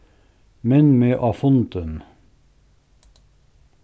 minn meg á fundin